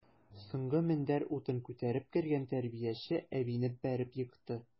Соңгы мендәр утын күтәреп кергән тәрбияче әбине бәреп екты.